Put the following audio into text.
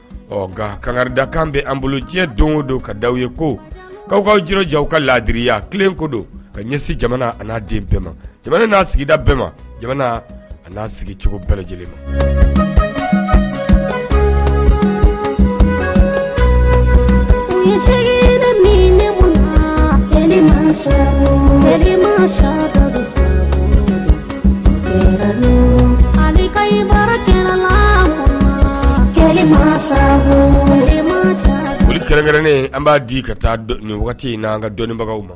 Ɔ nka kangada kan bɛ an bolo diɲɛ don o don ka da aw ye ko aw'awjɛw ka laadiriyaya kelen ko don ka ɲɛsin jamana ani n'a den bɛɛ ma jamana n'a sigida bɛɛ ma jamana a n'a sigi cogoɛlɛ lajɛlen makɛrɛnkɛrɛnnen an b'a di ka taa waati in n' an ka dɔnnibagaw ma